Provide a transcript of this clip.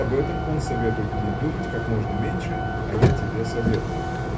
об этом он советует мне думать как можно меньше а я тебе советую.